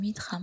umid ham